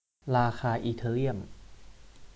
ราคาอีเธอเรียม